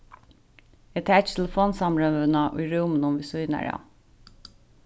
eg taki telefonsamrøðuna í rúminum við síðuna av